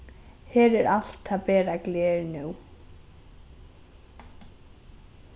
her er alt tað bera gler nú